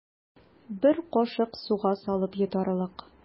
Бер кашык суга салып йотарлык.